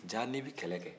jaa n'i bɛ kɛlɛ kɛ